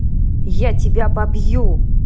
я тебя побью